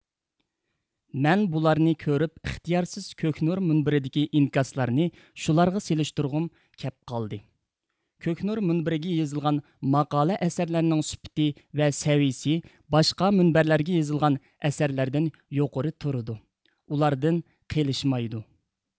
مەن بۇلارنى كۆرۈپ ئىختيارسىز كۆكنۇر مۇنبىرىدىكى ئىنكاسلارنى شۇلارغا سىلىشتۇرغۇم كەپ قالدى كۆكنۇر مۇنبىرىگە يېزىلغان ماقالە ئەسەرلەرنىڭ سۈپىتى ۋە سەۋىيىسى باشقا مۇنبەرلەرگە يېزىلغان ئەسەرلەردىن يۇقىرى تۇرىدۇ ئۇلاردىن قېلىشمايدۇ